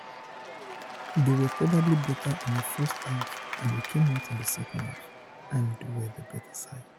They were probably better in the first half and we came out in the second half and were the better side.